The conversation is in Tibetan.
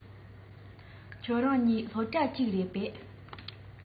ཁྱེད རང གཉིས སློབ གྲ གཅིག རེད པས